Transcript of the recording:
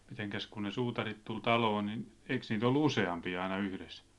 mitenkäs kun ne suutarit tuli taloon niin eikös niitä ollut useampia aina yhdessä